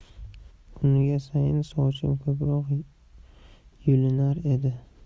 unga sayin sochim ko'proq yulinar edi